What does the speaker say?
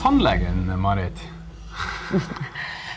tannlegen Marit .